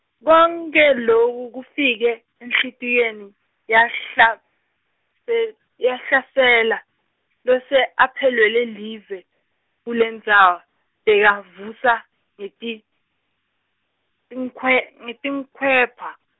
konkhe loku kufike enhlitiyweni yahlase-, yahlasela, lose aphelelwe live, kulendzawo, bekavusa ngetitinkhwe- ngetikhwepha.